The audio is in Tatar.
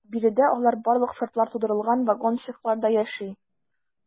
Биредә алар барлык шартлар тудырылган вагончыкларда яши.